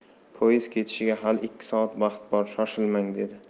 poezd ketishiga hali ikki soat vaqt bor shoshilmang dedi